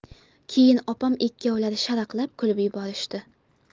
keyin opam ikkovlari sharaqlab kulib yuborishdi